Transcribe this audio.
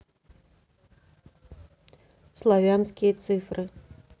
славянские цифры